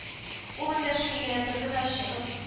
Ул эндәшми генә торды да, чыгып